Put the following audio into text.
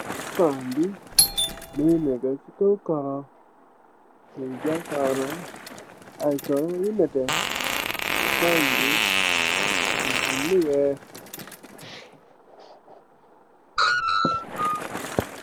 Sac bii mungy neka chi kaw kaaroh, mu jaakarlor aiiy kaaroh yu nehteh, sac bii mungy am lu wekh.